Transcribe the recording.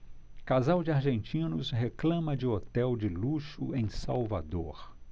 casal de argentinos reclama de hotel de luxo em salvador